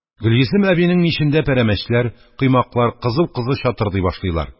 Гөлйөзем әбинең мичендә пәрәмәчләр, коймаклар кызу-кызу чатырдый башлыйлар.